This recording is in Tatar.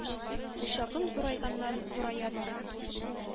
Учагым зурайганнан-зурая бара.